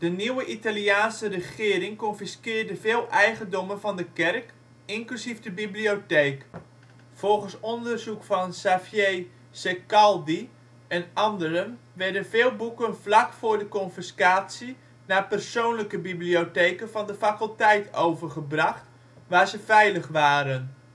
nieuwe Italiaanse regering confisqueerde veel eigendommen van de kerk, inclusief de bibliotheek. Volgens onderzoek van Xavier Ceccaldi en anderen werden veel boeken vlak voor de confiscatie naar persoonlijke bibliotheken van de faculteit overgebracht, waar ze veilig waren